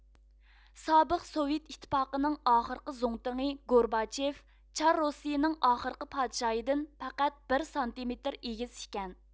سابىق سوۋېت ئىتتىپاقىنىڭ ئاخىرقى زۇڭتۇڭى گورباچېف چار رۇسىيىنىڭ ئاخىرقى پادىشاھىدىن پەقەت بىر سانتىمېتىر ئېگىز ئىكەن